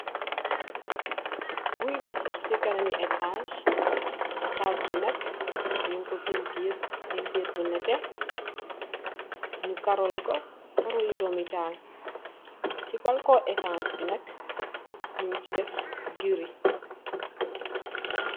Guy bu sax ci kanam mi ètas, ètas bi nak ñing ko pentir pentir bu netteh ñu karó leko, karó doomi tahal, ci balko ètas bi nak ñing ci def girih.